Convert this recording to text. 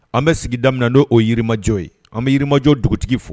An bɛ sigi da dɔw oo yirimajɔ ye an bɛ yiriirimajɔ dugutigi fo